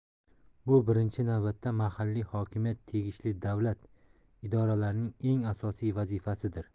bu birinchi navbatda mahalliy hokimiyat tegishli davlat idoralarining eng asosiy vazifasidir